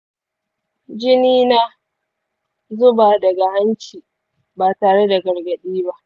jini na zuba daga hanci ba tare da gargaɗi ba